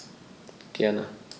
Gerne.